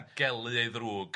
'Gelu ei ddrwg'.